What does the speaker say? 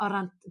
O ran